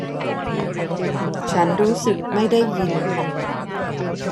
ฉันรู้สึกไม่ได้ยิน